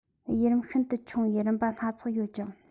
དབྱེ རིམ ཤིན ཏུ ཆུང བའི རིམ པ སྣ ཚོགས ཡོད ཅིང